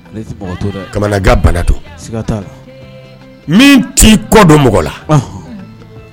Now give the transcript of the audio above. Bana min ti kɔ don mɔgɔ la